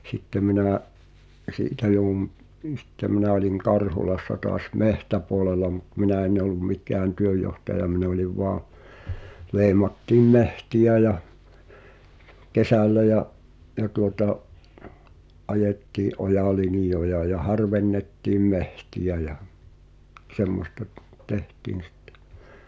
sitten minä siitä joudun niin sitten minä olin Karhulassa taas metsäpuolella mutta minä en ollut mikään työnjohtaja minä olin vain leimattiin metsiä ja kesällä ja ja tuota ajettiin ojalinjoja ja harvennettiin metsiä ja semmoista - tehtiin sitten